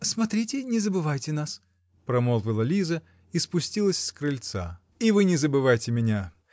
-- Смотрите, не забывайте нас, -- промолвила Лиза и спустилась с крыльца. -- И вы не забывайте меня.